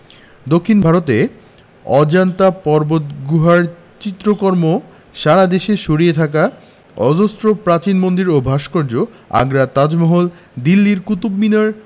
দক্ষিন ভারতে অজন্তা পর্বতগুহার চিত্রকর্ম সারা দেশে ছড়িয়ে থাকা অজস্র প্রাচীন মন্দির ও ভাস্কর্য আগ্রার তাজমহল দিল্লির কুতুব মিনার